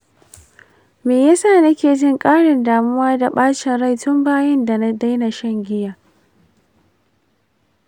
me ya sa nake jin ƙarin damuwa da bacin rai tun bayan da na daina shan giya?